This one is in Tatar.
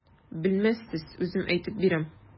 Белмәссез, үзем әйтеп бирәм.